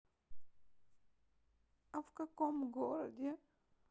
а в каком городе